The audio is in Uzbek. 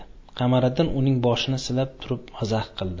qamariddin uning boshini silab turib mazax kildi